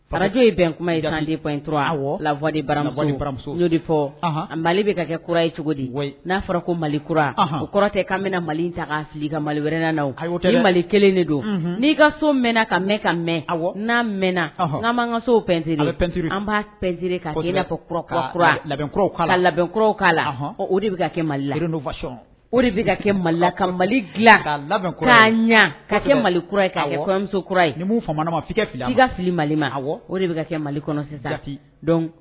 Fararakajo ye bɛn kuma ye gan in dɔrɔn lafɔ baramamusoo de fɔ mali bɛ ka kɛ kura ye cogo di n'a fɔra ko mali kura o kɔrɔ tɛ k'a bɛna mali ta fili ka mali wɛrɛna mali kelen de don n'i ka so mɛnna ka mɛn ka mɛn a n'aan mɛnna n'an ka soptep an b'siri ka labɛnkɔrɔ'a la o de bɛ ka kɛ malifa o de bɛ kɛka mali ɲɛ ka kɛ malimusokura yeu fa ka fili mali ma o de bɛ kɛ mali kɔnɔ sisanti dɔn